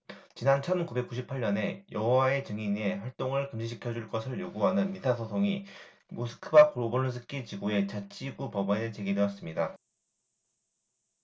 지난 천 구백 구십 팔 년에 여호와의 증인의 활동을 금지시켜 줄 것을 요구하는 민사 소송이 모스크바 골로빈스키 지구의 자치구 법원에 제기되었습니다